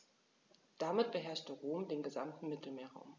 Damit beherrschte Rom den gesamten Mittelmeerraum.